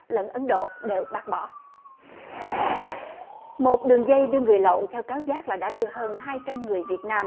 lẫn ấn độ đều bác bỏ một đường dây đưa người lậu theo cáo giác là đã đưa hơn hai trăm người việt nam